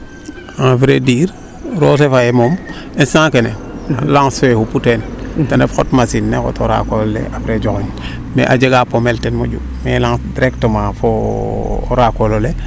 a vrai dire roose fa neene moom instant kene lnace fee xupu teen ten ref xot machine ne xoto rakoorole apres joxoñ mais a jega pomel ten moƴu melange directemnt fo o raakolo le